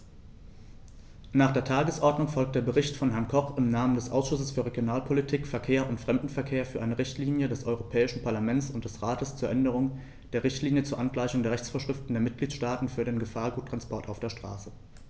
Nach der Tagesordnung folgt der Bericht von Herrn Koch im Namen des Ausschusses für Regionalpolitik, Verkehr und Fremdenverkehr für eine Richtlinie des Europäischen Parlament und des Rates zur Änderung der Richtlinie zur Angleichung der Rechtsvorschriften der Mitgliedstaaten für den Gefahrguttransport auf der Straße.